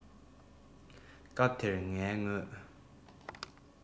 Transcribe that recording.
སྐབས དེར ངའི ངོས